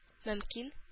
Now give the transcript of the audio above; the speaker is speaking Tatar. Мөмкин